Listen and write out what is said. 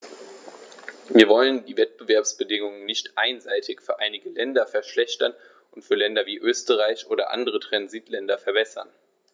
Wir wollen die Wettbewerbsbedingungen nicht einseitig für einige Länder verschlechtern und für Länder wie Österreich oder andere Transitländer verbessern.